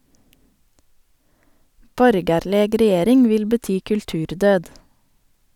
Borgarleg regjering vil bety kulturdød.